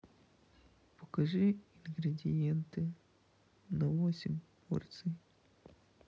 покажи ингредиенты на восемь порций